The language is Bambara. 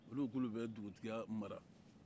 olu ko k'olu bɛ dugutigiya mara